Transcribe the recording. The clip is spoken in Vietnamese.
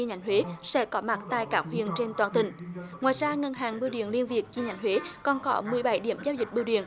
chi nhánh huế sẽ có mặt tại các huyện trên toàn tỉnh ngoài ra ngân hàng bưu điện liên việt chi nhánh huế còn có mười bảy điểm giao dịch bưu điện